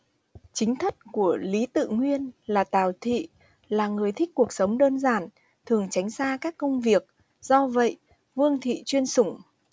chính thất của lý tự nguyên là tào thị là người thích cuộc sống đơn giản thường tránh xa các công việc do vậy vương thị chuyên sủng